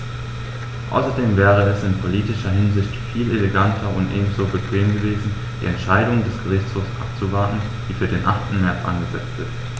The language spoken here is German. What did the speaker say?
Außerdem wäre es in politischer Hinsicht viel eleganter und ebenso bequem gewesen, die Entscheidung des Gerichtshofs abzuwarten, die für den 8. März angesetzt ist.